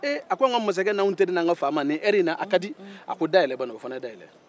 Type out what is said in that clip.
eee a ko anw ka masakɛ n'anw teri n'an ka faama a kadi a ko da yɛlɛ banu o fana ye da yɛlɛ